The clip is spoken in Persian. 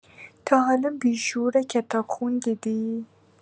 تا حالا بیشعور کتابخون دیدی؟